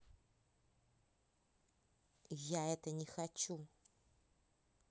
я это не хочу